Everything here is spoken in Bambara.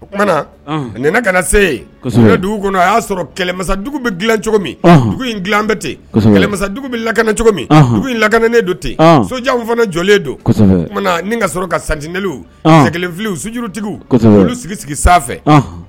Oumana a kana se dugu kɔnɔ a y'a sɔrɔ kɛlɛmasadugu bɛ dila cogo min dugu in dila bɛ ten kɛlɛmasadugu bɛ lakana cogo min dugu in lakananen don ten so fana jɔlen don ka sɔrɔ ka santen kelenfi sujurutigiw olu sigi sigi sanfɛ